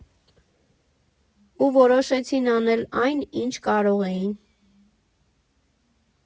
Ու որոշեցին անել այն, ինչ կարող էին.